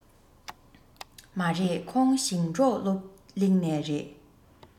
མ རེད ཁོང ཞིང འབྲོག སློབ གླིང ནས རེད